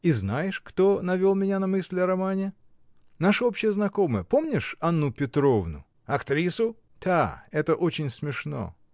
И знаешь, кто навел меня на мысль о романе: наша общая знакомая, помнишь Анну Петровну? — Актрису? — Да, это очень смешно.